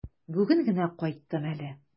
Бүген генә кайттым әле.